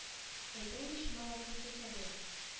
Әйтәм ич малакасус әле ул